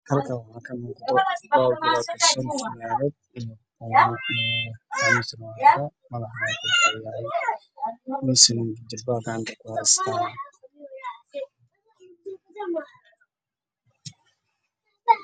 Meeshaan waxaa ka muuqda fanaanadkeedu yahay quracdaan aana leh